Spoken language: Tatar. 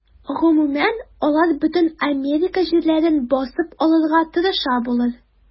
Гомумән, алар бөтен Америка җирләрен басып алырга тырыша булыр.